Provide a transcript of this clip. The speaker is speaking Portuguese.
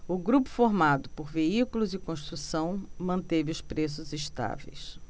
o grupo formado por veículos e construção manteve os preços estáveis